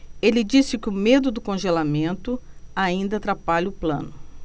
ele disse que o medo do congelamento ainda atrapalha o plano